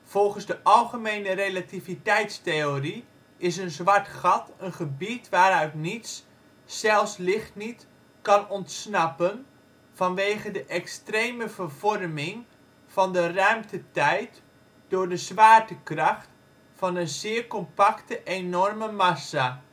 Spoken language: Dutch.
Volgens de algemene relativiteitstheorie is een zwart gat een gebied waaruit niets, zelfs licht niet, kan ontsnappen, vanwege de extreme vervorming van de ruimtetijd door de zwaartekracht van een zeer compacte enorme massa